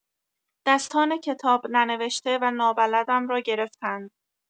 دستان کتاب‌ننوشته و نابلدم را گرفتند.